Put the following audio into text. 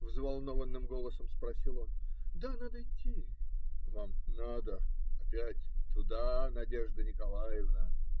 - взволнованным голосом спросил он. - Да, надо идти. - Вам надо. Опять туда! Надежда Николаевна!